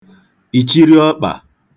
ìchiri ọkpà